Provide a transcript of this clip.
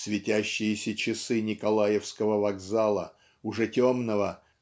Светящиеся часы Николаевского вокзала уже темного